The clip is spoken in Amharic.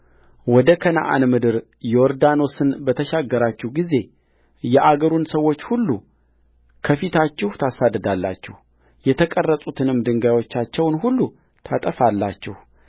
ወደከነዓን ምድር ዮርዳኖስን በተሻገራችሁ ጊዜየአገሩን ሰዎች ሁሉ ከፊታችሁ ታሳድዳላችሁ የተቀረጹትንም ድንጋዮቻቸውን ሁሉ ታጠፋላችሁ